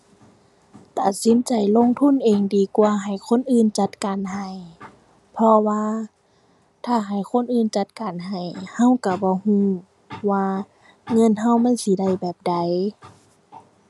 ตัดสินใจลงทุนเองดีกว่าให้คนอื่นจัดการให้เพราะว่าถ้าให้คนอื่นจัดการให้เราเราบ่เราว่าเงินเรามันสิได้แบบใด